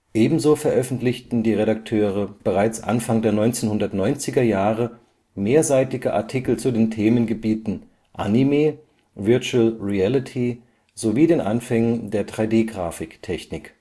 Ebenso veröffentlichten die Redakteure bereits Anfang der 1990er-Jahre mehrseitige Artikel zu den Themengebieten Anime, Virtual Reality, sowie den Anfängen der 3D-Graphik-Technik